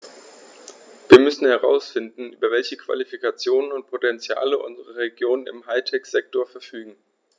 Wir müssen herausfinden, über welche Qualifikationen und Potentiale unsere Regionen im High-Tech-Sektor verfügen.